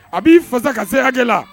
A b'i fasa ka se hakɛ la